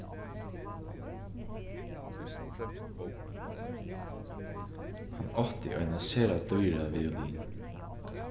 hann átti eina sera dýra violin